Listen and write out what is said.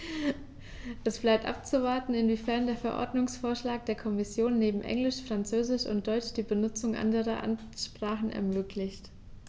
Es bleibt abzuwarten, inwiefern der Verordnungsvorschlag der Kommission neben Englisch, Französisch und Deutsch die Benutzung anderer Amtssprachen ermöglicht.